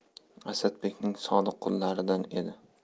asadbekning sodiq qullaridan edi